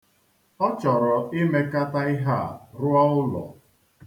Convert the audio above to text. Ọ chọrọ imekata ihe a rụọ ụlọ.